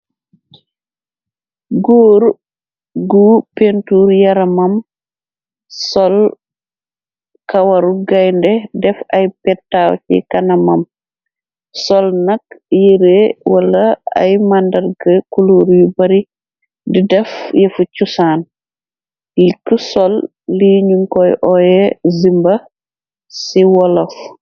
Góor gu pentur yara mam sol kawaru gaynde def ay pedtaw ci kana mam sol nak yere wala ay màndarg kuluur yu bari di def yefu cusaan lik sol li ñu koy ooye zimba ci wolaf.